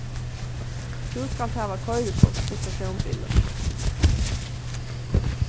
tú skalt hava koyrikort í persónbili